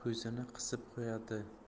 ko'zini qisib qo'yadi